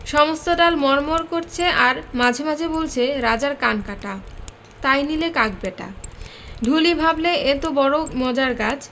সমস্ত ডাল মড়মড় করছে আর মাঝে মাঝে বলছে রাজার কান কাটা তাই নিলে কাক ব্যাটা ঢুলি ভাবলে এ তো বড়ো মজার গাছ